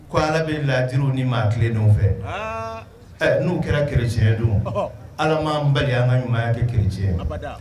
Ko ala bɛ ladi ni maa tile ninnu fɛ n'u kɛra ke tiɲɛ don ala maan bali an ka ɲumanya kɛ kec ye